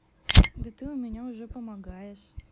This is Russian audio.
да ты у меня уже помогаешь